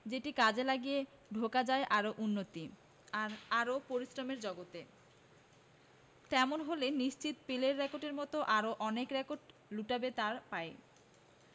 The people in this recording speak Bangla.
যেটি কাজে লাগিয়ে ঢোকা যায় আরও উন্নতি আর আরও পরিশ্রমের জগতে তেমন হলে নিশ্চিত পেলের রেকর্ডের মতো আরও অনেক রেকর্ড লুটাবে তাঁর পায়ে